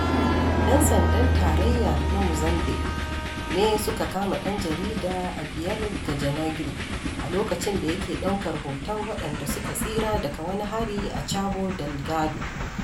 Yan sandan tarayya na Mozambiƙue ne suka kama ɗan jaridar a 5 ga Janairu, a lokacin da yake ɗaukar hoton waɗanda suka tsira daga wani hari a Cabo Delgado.